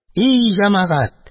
И җәмәгать!